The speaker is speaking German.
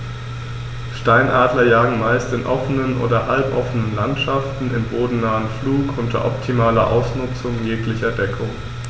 Steinadler jagen meist in offenen oder halboffenen Landschaften im bodennahen Flug unter optimaler Ausnutzung jeglicher Deckung.